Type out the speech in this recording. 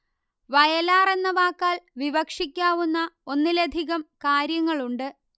വയലാർ എന്ന വാക്കാൽ വിവക്ഷിക്കാവുന്ന ഒന്നിലധികം കാര്യങ്ങളുണ്ട്